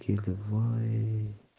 keldi voy y y